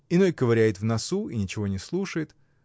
Иной ковыряет в носу и ничего не слушает.